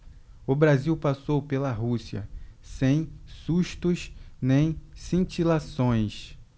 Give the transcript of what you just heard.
o brasil passou pela rússia sem sustos nem cintilações